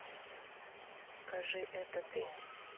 скажи это ты